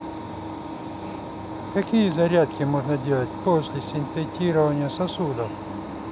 какие зарядки можно делать после стентирования сосудов